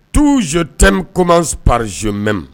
Tuu joot komansprizomeme